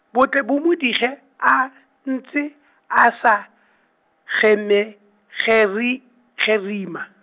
bo tle bo mo dige a, ntse, a sa, geme-, geri-, gerima.